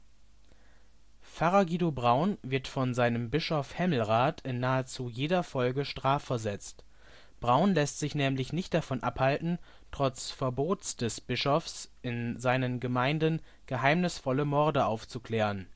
Pfarrer Guido Braun wird von seinem Bischof Hemmelrath in nahezu jeder Folge strafversetzt. Braun lässt sich nämlich nicht davon abhalten, trotz Verbots des Bischofs, in seinen Gemeinden geheimnisvolle Morde aufzuklären